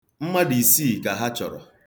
Mmadụ isii ka ha chọrọ.